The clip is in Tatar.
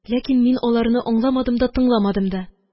Ләкин мин аларны аңламадым да, тыңламадым да